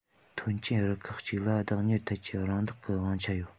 ཐོན སྐྱེད རུ ཁག ཅིག ལ བདག གཉེར ཐད ཀྱི རང བདག གི དབང ཆ ཡོད